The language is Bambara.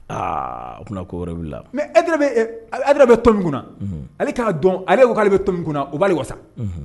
Aa a tun ko wɛrɛ wulila mɛ yɛrɛ bɛ to min kunna ale k'a dɔn ale ko kale bɛ to min kunna o b' wa sa